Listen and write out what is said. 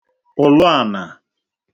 ụ̀lụànà